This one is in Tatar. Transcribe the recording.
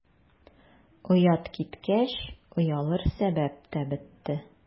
Оят киткәч, оялыр сәбәп тә бетте.